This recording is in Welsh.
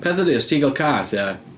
Peth ydy, os ti'n gael cath ia.